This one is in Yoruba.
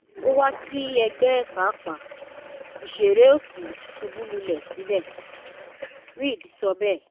"Ó wá sí ẹ̀gbẹ̀ pápá ìṣeré ó ṣì subú lulẹ̀ síbẹ̀,” Reed sọbẹ́ẹ̀.